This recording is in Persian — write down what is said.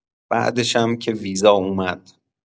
بعدشم که ویزا اومد.